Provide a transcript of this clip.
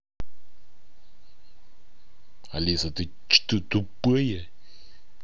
алиса ты что тупая